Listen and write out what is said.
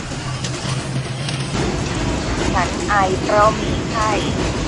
ฉันไอเพราะมีไข้